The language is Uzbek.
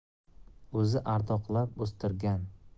o'zi ardoqlab o'stirgan